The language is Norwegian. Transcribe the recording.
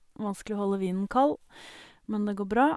Vanskelig å holde vinen kald men det går bra.